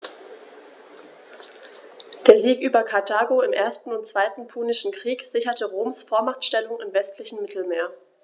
Der Sieg über Karthago im 1. und 2. Punischen Krieg sicherte Roms Vormachtstellung im westlichen Mittelmeer.